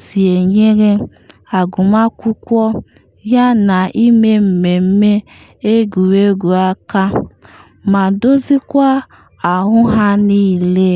si enyere agumakwụkwọ yana ime mmemme egwuregwu aka, ma dozikwaa ahụ ha niile.